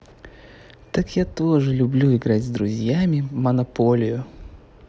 так я тоже люблю играть с друзьями монополию